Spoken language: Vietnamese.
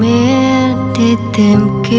đang mải miết đi tìm kiếm